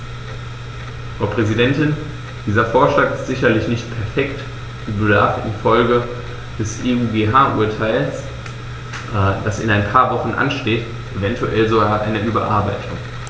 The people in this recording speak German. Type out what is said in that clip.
Frau Präsidentin, dieser Vorschlag ist sicherlich nicht perfekt und bedarf in Folge des EuGH-Urteils, das in ein paar Wochen ansteht, eventuell sogar einer Überarbeitung.